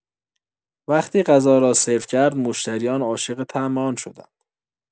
وقتی غذا را سرو کرد، مشتریان عاشق طعم آن شدند.